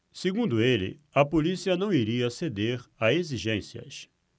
segundo ele a polícia não iria ceder a exigências